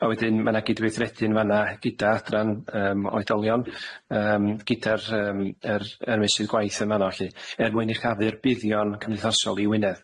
A wedyn ma' na gydweithredy'n fan'na gyda adran yym oedolion yym gyda'r yym yr y meysydd gwaith yn fan'no lly er mwyn i chafu'r buddion cymdeithasol i Wynedd.